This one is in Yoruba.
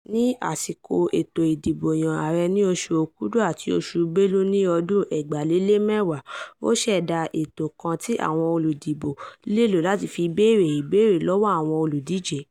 Ní àsìkò ètò ìdìbòyàn ààrẹ ní oṣù Òkudù àti oṣù Belu ti ọdún 2010, ó ṣẹ̀dá ètò kan tí àwọn olùdìbò lè lò láti fi bèèrè ìbéèrè lọ́wọ́ àwọn olùdíje.